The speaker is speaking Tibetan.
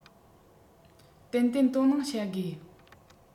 ཏན ཏན དོ སྣང བྱ དགོས